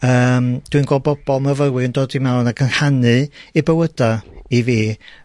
Yym. Dwi'n gwel' bobol myfyrwyr yn dod i mewn ag yn rhannu eu bywyda i fi